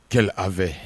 T an fɛ